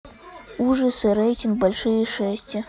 ужасы рейтинг больше шести